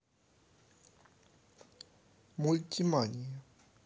мультимания